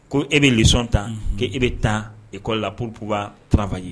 Ko e bɛ lesɔnon ta k' e bɛ taa ekɔ la purupba turafa ye